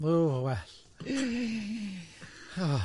O, well!